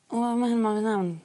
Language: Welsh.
O ma' hynna .